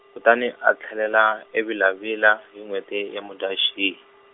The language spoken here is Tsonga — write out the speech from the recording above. kutani a tlhelela eVila-Vila hi n'hweti ya Mudyaxihi.